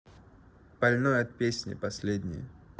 больной от песни последние